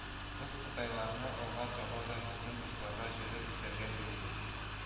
«без кытайлыларны алга таба да безнең вузларга җәлеп итәргә телибез»